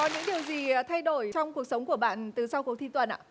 có những điều gì ờ thay đổi trong cuộc sống của bạn từ sau cuộc thi tuần ạ